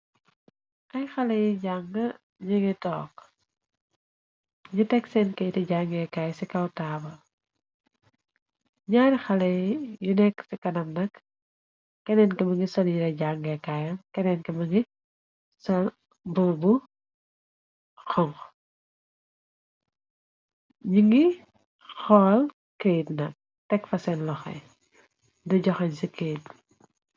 Ay xale yi jàng ñi ngi toog, ñi tek seen kayti jangeekaay ci kaw taabul. Naari xale yu nekk ci kanam nak, kenneen ki ma ngi sol yire jangeekaay, kenneen ki mangi sol mbuba xonxo, ñi ngi xol kayte nak , teg fa seen loxeyi du joxañ ci kayt.